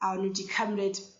a o' n'w 'di cymryd